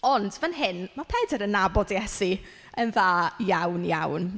Ond fan hyn ma' Pedr yn nabod Iesu yn dda iawn iawn.